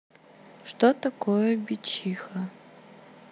что такое бичиха